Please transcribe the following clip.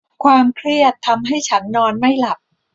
ความเครียดทำให้ฉันนอนไม่หลับ